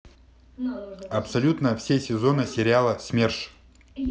абсолютно все сезоны сериала смерш